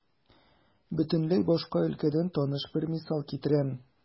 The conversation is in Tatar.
Бөтенләй башка өлкәдән таныш бер мисал китерәм.